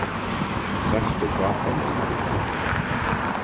sært tú pápa mín ofta